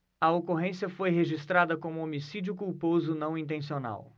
a ocorrência foi registrada como homicídio culposo não intencional